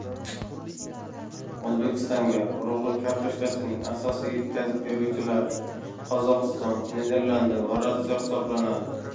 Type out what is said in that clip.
o'zbekistonga urug'lik kartoshkasining asosiy yetkazib beruvchilari qozog'iston niderlandiya va rossiya hisoblanadi